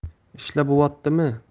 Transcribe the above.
ishla bo'vottimi